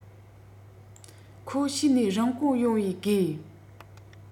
ཁོ བྱས ནས རིན གོང ཡོང བའི དགོས